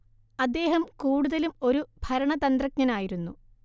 അദ്ദേഹം കൂടുതലും ഒരു ഭരണതന്ത്രജ്ഞനായിരുന്നു